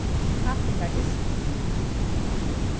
kappingardystur